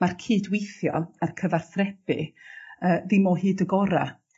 ma'r cydweithio a'r cyfathrebu yy ddim o hyd y gora'.